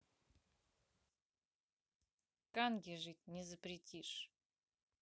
канги жить не запретишь